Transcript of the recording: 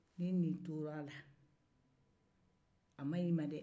ni nin tora a la a ma ɲi i ma dɛɛ